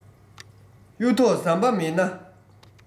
གཡུ ཐོག ཟམ པ མེད ན